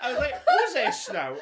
I was like, who's this now?